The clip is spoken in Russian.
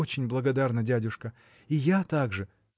очень благодарна, дядюшка, и я тоже.